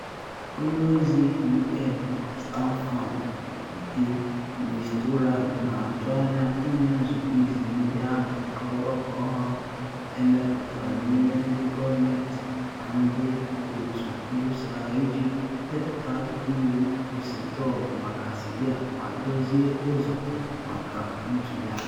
Onye ozi UN Staffan de Mistura na atụ anya ịme nzụkọ izizi ndị ahụ nke ọgbakọ ọhụrụ emepụtara n’ime ndị gọọmentị na ndị otu mbuso agha iji depụta akwụkwọ iwu osote ọgụ maka Syria ma dozie ụzọ maka ntuli aka.